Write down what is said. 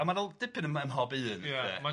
...a ma'n dipyn ym mhob un de... Ia.